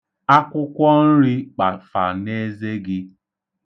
Akwụkwọnri kpafa n'eze gị.